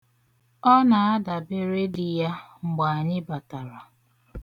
Ọ na-adabere di ya mgbe anyị batara.